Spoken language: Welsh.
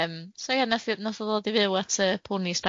Yym so ia nath i- nath o ddod i fyw at y ponis bach.